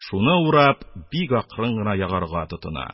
Шуны урап, бик акрын гына ягарга тотына.